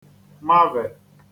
mavè